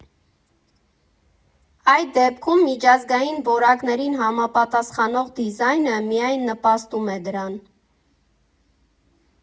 Այդ դեպքում միջազգային որակներին համապատասխանող դիզայնը միայն նպաստում է դրան։